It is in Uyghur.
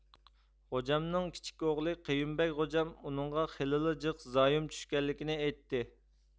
غوجامنىڭ كىچىك ئوغلى قېيۇمبەگ غوجام ئۇنىڭغا خېلىلا جىق زايوم چۈشكەنلىكىنى ئېيتتى